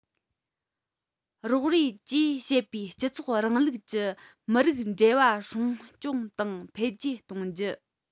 རོགས རེས བཅས བྱེད པའི སྤྱི ཚོགས རིང ལུགས ཀྱི མི རིགས འབྲེལ བ སྲུང སྐྱོང དང འཕེལ རྒྱས གཏོང རྒྱུ